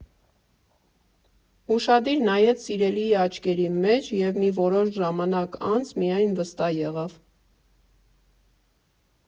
Ուշադիր նայեց սիրելիի աչքերի մեջ և մի որոշ ժամանակ անց միայն վստահ եղավ։